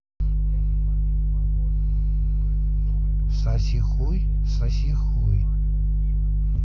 сосихуй сосихуй